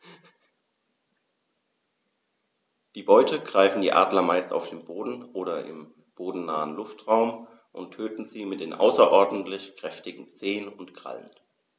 Die Beute greifen die Adler meist auf dem Boden oder im bodennahen Luftraum und töten sie mit den außerordentlich kräftigen Zehen und Krallen.